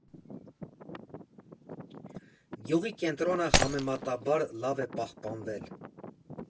Գյուղի կենտրոնը համեմատաբար լավ է պահպանվել։